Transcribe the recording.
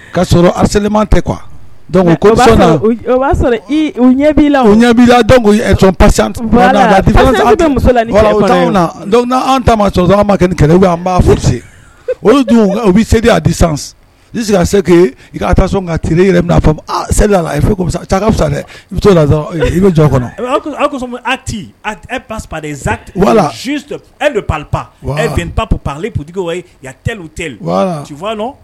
Ka sɔrɔ a selenman tɛ kuwa b'ai son ma kɛlɛ an' furuse o u bɛ se' di sisan sigi ka seke i ka ta sɔn nka t fɔ la i fisa dɛ i bɛ to la i jɔn kɔnɔ pap wala e papli ptigi ye t tɛfa